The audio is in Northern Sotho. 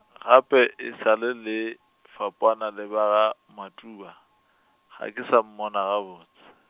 gape e sa le le, fapana le ba ga Matuba, ga ke sa mmona gabotse.